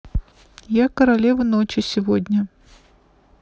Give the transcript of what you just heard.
я королева ночи сегодня